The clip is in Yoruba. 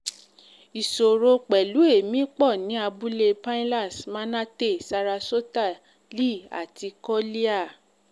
Ìṣòrò pẹ̀lú èémi pọ̀ ní abúlé Pinellas, Manatee, Sarasota, Lee, àti Collier.